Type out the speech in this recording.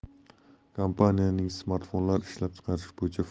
kompaniyaning smartfonlar ishlab chiqarish bo'yicha